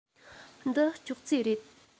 འདི ཅོག ཙེ རེད